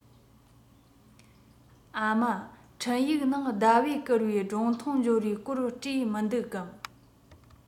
ཨ མ འཕྲིན ཡིག ནང ཟླ བས བསྐུར བའི སྒྲུང ཐུང འབྱོར བའི སྐོར བྲིས མི འདུག གམ